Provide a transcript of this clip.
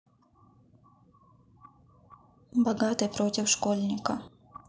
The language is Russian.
богатый против школьника